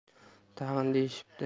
tag'in deyishibdi